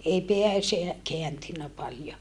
ei pää - kääntynyt paljon